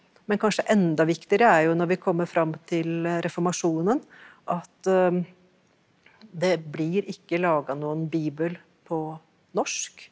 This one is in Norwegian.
men kanskje enda viktigere er jo når vi kommer fram til reformasjonen, at det blir ikke laga noen bibel på norsk.